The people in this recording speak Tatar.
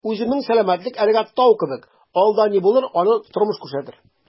Үземнең сәламәтлек әлегә «тау» кебек, алда ни булыр - аны тормыш күрсәтер...